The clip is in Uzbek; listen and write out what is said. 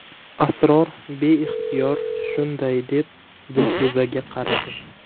asror beixtiyor shunday deb dilfuzaga qaradi